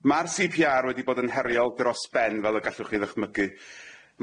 Ma'r See Pee Are wedi bod yn heriol dros ben fel y gallwch chi ddychmygu.